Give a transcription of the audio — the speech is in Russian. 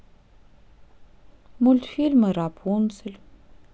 мультфильмы рапунцель